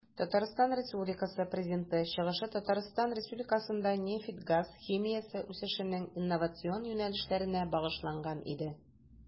ТР Президенты чыгышы Татарстан Республикасында нефть-газ химиясе үсешенең инновацион юнәлешләренә багышланган иде.